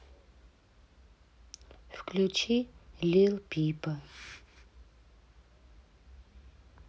включи лил пипа